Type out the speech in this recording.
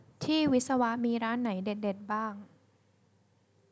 ที่วิศวะมีร้านไหนเด็ดเด็ดบ้าง